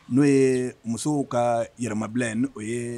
N'o ye musow ka yɛlɛmamabila o ye